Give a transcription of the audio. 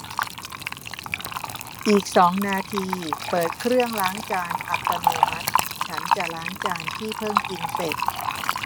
อีกสองนาทีเปิดเครื่องล้างจานอัตโนมัติฉันจะล้างจานที่เพิ่งกินเสร็จ